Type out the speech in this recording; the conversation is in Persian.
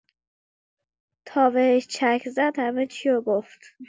تا بهش چک زد همه چیو گفت